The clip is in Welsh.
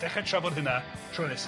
Dechrau trafod hynna tro nesa.